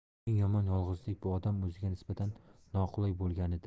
eng yomon yolg'izlik bu odam o'ziga nisbatan noqulay bo'lganida